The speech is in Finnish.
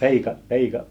- peika